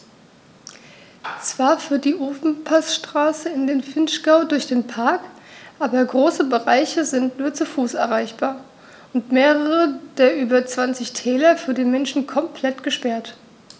Zwar führt die Ofenpassstraße in den Vinschgau durch den Park, aber große Bereiche sind nur zu Fuß erreichbar und mehrere der über 20 Täler für den Menschen komplett gesperrt.